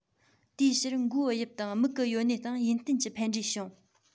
དེའི ཕྱིར མགོའི དབྱིབས དང མིག གི ཡོད གནས སྟེང ཡུན བརྟན གྱི ཕན འབྲས བྱུང